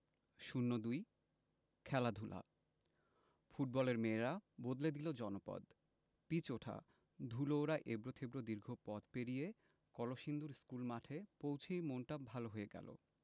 ০২ খেলাধুলা ফুটবলের মেয়েরা বদলে দিল জনপদ পিচ ওঠা ধুলো ওড়া এবড়োথেবড়ো দীর্ঘ পথ পেরিয়ে কলসিন্দুর স্কুলমাঠে পৌঁছেই মনটা ভালো হয়ে গেল